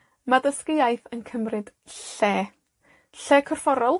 Ma' dysgu iaith yn cymryd lle. Lle corfforol.